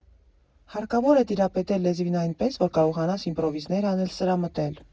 Հարկավոր է տիրապետել լեզվին այնպես, որ կարողանաս իմպրովիզներ անել, սրամտել։